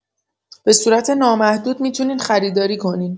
بصورت نامحدود می‌تونین خریداری کنین